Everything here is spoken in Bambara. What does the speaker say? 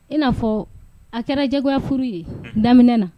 In n'a fɔ a kɛra jɛgoforo ye daminɛ na